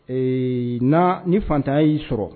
Ee na ni fatanya y'i sɔrɔ.